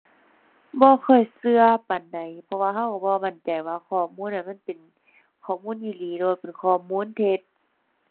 บ่ค่อยเชื่อปานใด เพราะว่าเชื่อบ่มั่นใจว่าข้อมูลนั้นมันเป็นข้อมูลอีหลีหรือว่าเป็นข้อมูลเท็จ